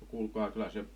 kuulkaa kyllä se